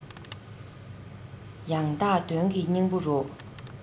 ཡང དག དོན གྱི སྙིང པོ རུ